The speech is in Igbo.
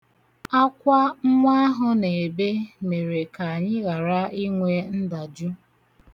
Akwa nwa ahụ na-ebe mere ka anyị ghara inwe ndajụ.